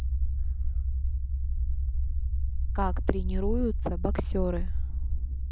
как тренируются боксеры